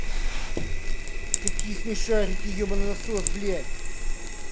какие смешарики ебаный насос блядь